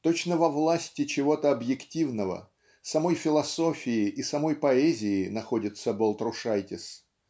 Точно во власти чего-то объективною самой философии и самой поэзии находится Балтрушайтис.